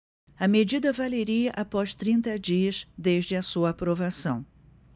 a medida valeria após trinta dias desde a sua aprovação